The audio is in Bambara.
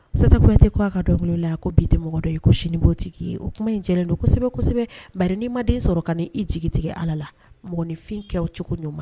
Sata kuyate ko' a ka dɔnkilikili la a ko bi tɛ mɔgɔ dɔ ye ko sinibotigi ye o kuma in jɛ don kosɛbɛsɛbɛri' maden sɔrɔ ka i jigi tigɛ ala la mɔgɔninfinkɛ cogo ɲuman ma